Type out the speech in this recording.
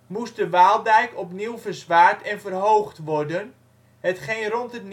moest de Waaldijk opnieuw verzwaard en verhoogd worden, hetgeen rond